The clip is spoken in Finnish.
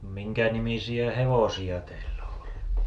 minkä nimisiä hevosia teillä on ollut